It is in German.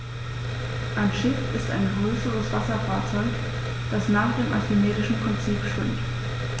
Ein Schiff ist ein größeres Wasserfahrzeug, das nach dem archimedischen Prinzip schwimmt.